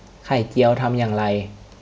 ไข่เจียวทำอย่างไร